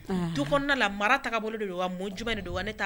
Du kɔnɔna la mara ta bolo de mɔ jumɛn de don wa